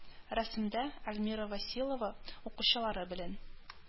Рәсемдә: Альмира Вәсилова укучылары белән